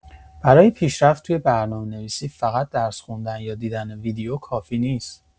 برای پیشرفت توی برنامه‌نویسی، فقط درس خوندن یا دیدن ویدیو کافی نیست.